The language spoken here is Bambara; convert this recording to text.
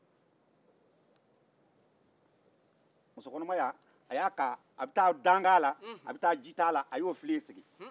muso kɔnɔma y'a ka jita filen sigi